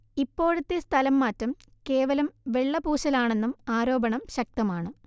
ഇപ്പോഴത്തെ സ്ഥലം മാറ്റം കേവലം വെള്ളപൂശലാണെന്നും ആരോപണം ശക്തമാണ്